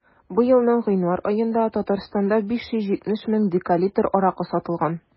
Быелның гыйнвар аенда Татарстанда 570 мең декалитр аракы сатылган.